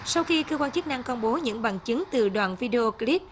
sau khi cơ quan chức năng công bố những bằng chứng từ đoạn vi đê ô cờ líp